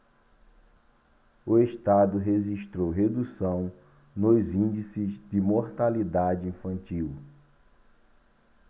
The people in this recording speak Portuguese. o estado registrou redução nos índices de mortalidade infantil